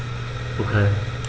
Okay.